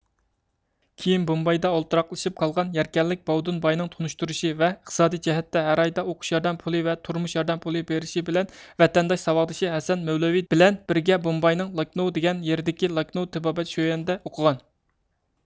كېيىن بومبايدا ئولتۇراقلىشىپ قالغان يەركەنلىك باۋۇدۇن باينىڭ تونۇشتۇرۇشى ۋە ئىقتىسادىي جەھەتتە ھەر ئايدا ئوقۇش ياردەم پۇلى ۋە تۇرمۇش ياردەم پۇلى بېرىشى بىلەن ۋەتەنداش ساۋاقدىشى ھەسەن مۆۋلىۋى بىلەن بىرگە بومباينىڭ لاكىنو دىگەن يېرىدىكى لاكىنو تېبابەت شۆيۈەنىدە ئوقۇغان